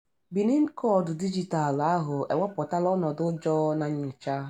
#Bénin Koodu dijitalụ ahụ ewepụtala ọnọdụ ụjọ na nnyocha.